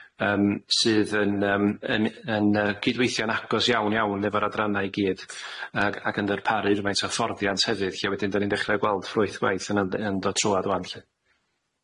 yym sydd yn yym yn yn yy cydweithio'n agos iawn iawn efo'r adranna' i gyd ag ag yn darparu rwfaint o fforddiant hefyd 'lly wedyn 'dan ni'n dechre gweld ffrwyth gwaith yn ynd- yn dod trwad ŵan 'lly.